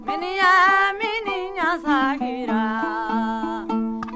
miniyan miniyan sɛgira